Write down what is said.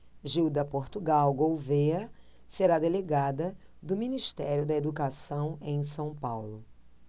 gilda portugal gouvêa será delegada do ministério da educação em são paulo